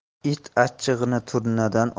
it achchig'ini turnadan